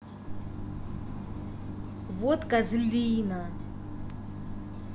вот козлина